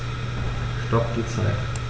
Stopp die Zeit